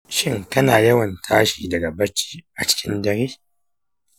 shin kana yawan tashi daga barci a cikin dare?